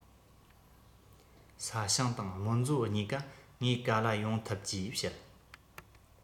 ས ཞིང དང རྨོན མཛོ གཉིས ཀ ངས ག ལ ཡོང ཐུབ ཅེས བཤད